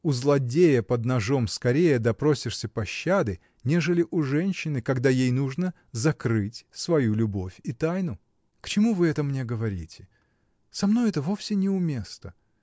У злодея под ножом скорее допросишься пощады, нежели у женщины, когда ей нужно закрыть свою любовь и тайну. — К чему вы это мне говорите? Со мной это вовсе не у места!